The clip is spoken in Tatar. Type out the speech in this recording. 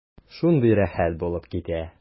Шундый рәхәт булып китә.